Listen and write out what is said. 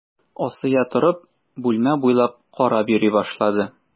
Асия торып, бүлмә буйлап карап йөри башлады.